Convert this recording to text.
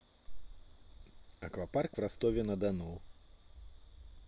аквапарк в ростове на дону